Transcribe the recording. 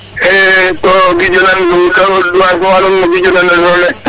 e so gijo nan waas nuwa nuun no gijo nanale